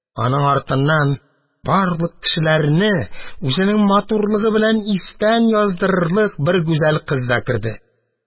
Аның артыннан барлык кешеләрне үзенең матурлыгы белән истән яздырырлык бер гүзәл кыз да керде.